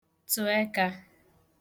tụ eka